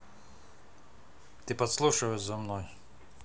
ты подслушиваешь за мной